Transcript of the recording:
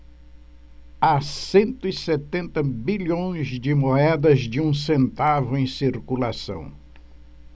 há cento e setenta bilhões de moedas de um centavo em circulação